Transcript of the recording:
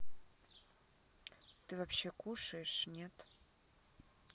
ты вообще кушаешь нет